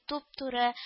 Туп-туры